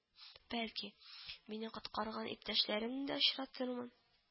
Бәлки, мине коткарган иптәшләремне дә очратырмын